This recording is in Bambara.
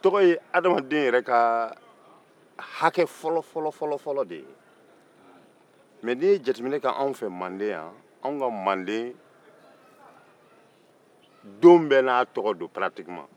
tɔgɔ ye hadamaden yɛrɛ ka hakɛ fɔlɔ-fɔlɔ de ye mɛ n'i ye jateminɛ kɛ anw fɛ yan manden yan anw ka manden don bɛɛ n'a tɔgɔ don paratikeman